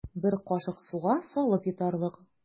Бер кашык суга салып йотарлык.